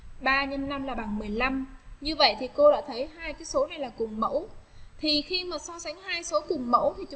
x là bằng như vậy thì cô đã thấy hai cái số này là cùng mẫu thì thi so sánh hai số cùng mẫu